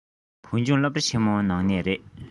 བོད ལྗོངས སློབ གྲྭ ཆེན མོ ནས རེད